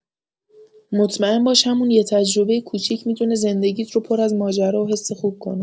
مطمئن باش همون یه تجربه کوچیک می‌تونه زندگی‌ت رو پر از ماجرا و حس خوب کنه.